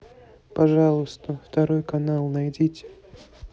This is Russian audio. пожалуйста второй канал найдите